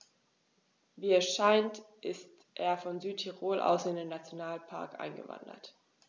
Wie es scheint, ist er von Südtirol aus in den Nationalpark eingewandert.